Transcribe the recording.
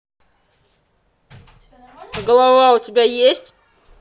а голова у тебя есть